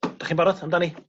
'Dach ci'n barod amdani?